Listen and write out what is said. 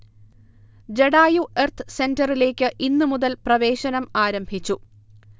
Jatayu earth's സെന്ററിലേക്ക് ഇന്ന് മുതൽ പ്രവേശനം ആരംഭിച്ചു